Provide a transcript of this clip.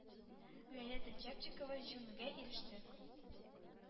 Виолетта Чепчикова җиңүгә иреште.